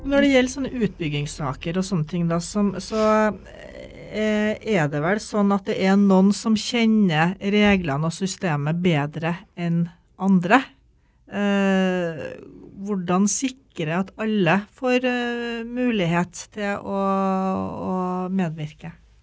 når det gjelder sånne utbyggingssaker og sånne ting da som så er det vel sånn at det er noen som kjenner reglene og systemet bedre enn andre hvordan sikre at alle får mulighet til å medvirke?